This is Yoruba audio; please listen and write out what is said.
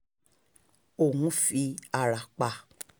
Òún fi ara pa.